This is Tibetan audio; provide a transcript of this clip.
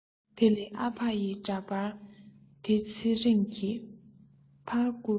དེ ལས ཨ ཕ ཡི འདྲ པར དེ ཚེ རིང གི ཕར བསྐུར པ